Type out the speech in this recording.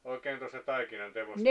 oikein tuosta taikinan teosta